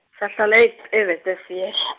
sahlala e- e- Weltevrede.